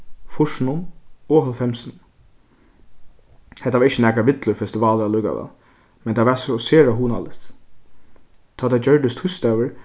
fýrsunum og hálvfemsunum hetta var ikki nakar villur festivalur allíkavæl men tað var so sera hugnaligt tá tað gjørdist týsdagur